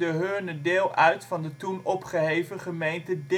Heurne deel uit van de toen opgeheven gemeente